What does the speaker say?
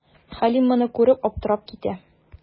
Хәлим моны күреп, аптырап китә.